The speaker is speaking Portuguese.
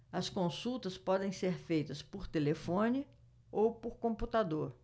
as consultas podem ser feitas por telefone ou por computador